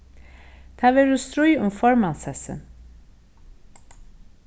tað verður stríð um formanssessin